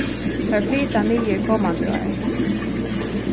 tær flyta niður komandi ár